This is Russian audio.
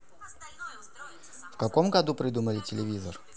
в каком году придумали телевизор